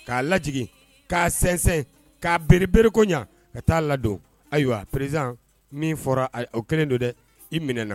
K'a lajigi k'a sinsɛn k'a bere bererikoɲa ka t'a ladon ayiwa pz min fɔra o kɛlen don dɛ i minɛɛna